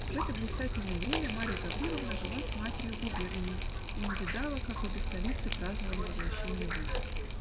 В это блистательное время Марья Гавриловна жила с матерью в*** губернии и не видала, как обе столицы праздновали возвращение войск.